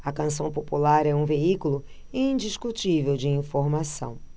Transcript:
a canção popular é um veículo indiscutível de informação